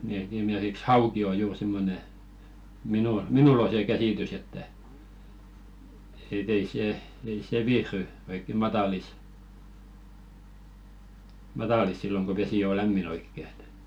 niin että esimerkiksi hauki on juuri semmoinen - minulla on se käsitys että että ei se ei se viihdy oikein matalissa matalissa silloin kun vesi on lämmin oikein että